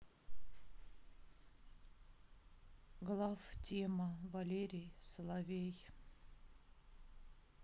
глав тема валерий соловей